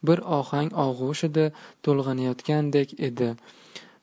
bir ohang og'ushida to'lg'anayotgandek edi